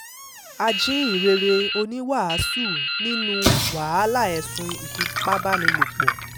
Ajíhìnrere Oníwàásù nínúu wàhálà ẹ̀sùn ìfipábánilòpọ̀